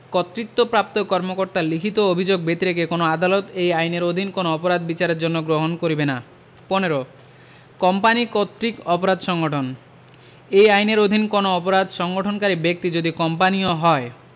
কর্তৃত্বপ্রাপ্ত কর্মকর্তার লিখিত অভিযোগ ব্যতিরেকে কোন আদালত এই আইনের অধীন কোন অপরাধ বিচারের জন্য গ্রহণ করিবে না ১৫ কোম্পানী কর্র্তক অপরাধ সংঘটনঃ এই আইনের অধীন কোন অপরাধ সংঘটনকারী ব্যক্তি যদি কোম্পানী ও হয়